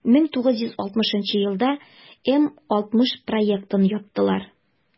1960 елда м-60 проектын яптылар.